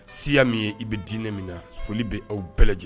Siya min ye i bɛ diinɛ min na foli bɛ aw bɛɛji